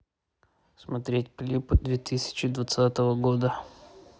смотреть клипы две тысячи двадцатого года